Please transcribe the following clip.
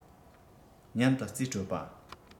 མཉམ དུ རྩིས སྤྲོད པ